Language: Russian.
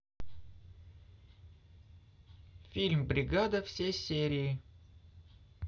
фильм бригада все серии